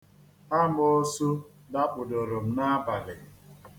Amoosu dakpudoro m n'abalị.